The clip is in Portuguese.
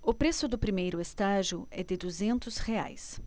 o preço do primeiro estágio é de duzentos reais